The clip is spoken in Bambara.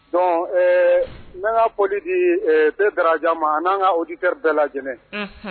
Donc ɛɛ ne bɛ foli di se Dara jan ma a n'n ka oditeur bɛɛ lajɛlen